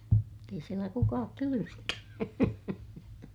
mutta ei siellä kukaan -